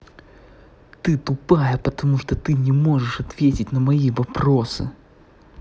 ты тупая потому что ты не можешь ответить на мои вопросы